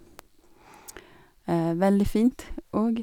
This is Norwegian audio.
Veldig fint òg.